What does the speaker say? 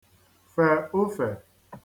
fè ofè